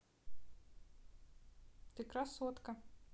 ты красотка